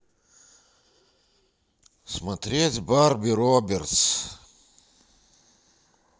смотреть барби робертс